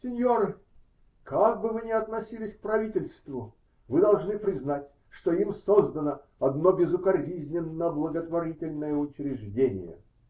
-- Синьоры, как бы вы ни относились к правительству, вы должны признать, что им создано одно безукоризненно благотворительное учреждение.